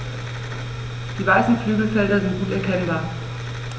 Die weißen Flügelfelder sind gut erkennbar.